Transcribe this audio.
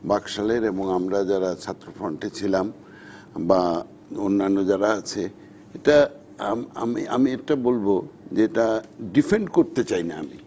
বাকশালের এবং আমরা যারা ছাত্র ফ্রন্ট এ ছিলাম বা অন্যান্য যারা আছে এটা আমি এটা বলব যে এটা ডিফেন্ড করতে চাই না আমি